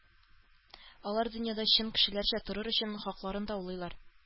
Алар дөньяда чын кешеләрчә торыр өчен хакларын даулыйлар